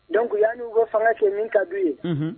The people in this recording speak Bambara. Donc yani u k'o fanga tiɲɛn, min ka d'u ye